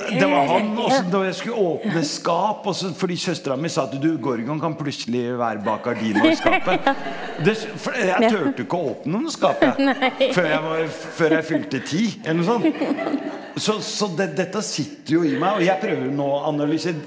det var han, også når jeg skulle åpne skap, også fordi søstera mi sa at du Gorgon kan plutselig være bak gardinene og i skapet, det jeg turte ikke å åpne noen skap jeg før jeg var før jeg fylte ti eller noe sånn så så det dette sitter jo i meg og jeg prøver nå å analyse.